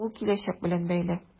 Ул киләчәк белән бәйле.